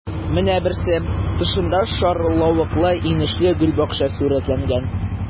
Менә берсе: тышында шарлавыклы-инешле гөлбакча сурәтләнгән.